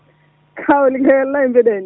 kawle wallahi mbiɗa anndi